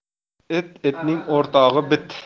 it itning o'rtog'i bit